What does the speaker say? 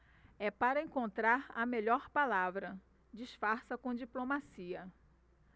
é para encontrar a melhor palavra disfarça com diplomacia